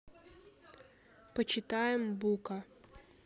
почитаем бука